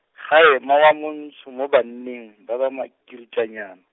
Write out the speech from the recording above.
ga ema wa Montsho mo banneng, ba ba makiritlanyana.